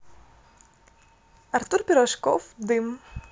артур пирожков дым